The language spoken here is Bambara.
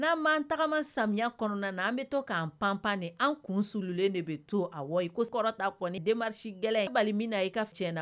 N'a m'an tagama samiya kɔnɔna na an bɛ to k'an pan pan ni an kunsululen de bɛ to, awa i ko kɔrɔta kɔni demarche gɛlɛn, i bali min na i ta tiɲɛn na na